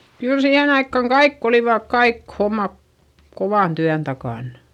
kyllä siihen aikaan kaikki olivat kaikki hommat kovan työn takana